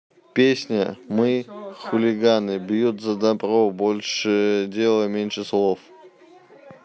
песня my хулиганы бьют за добро больше дела меньше слов